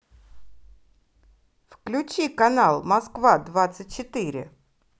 включи канал москва двадцать четыре